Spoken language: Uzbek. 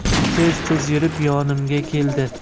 tez tez yurib yonimga keldi